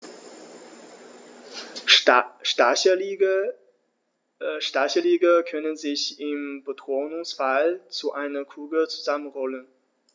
Stacheligel können sich im Bedrohungsfall zu einer Kugel zusammenrollen.